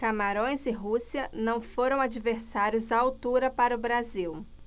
camarões e rússia não foram adversários à altura para o brasil